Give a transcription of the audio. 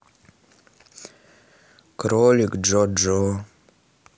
кролик джоджо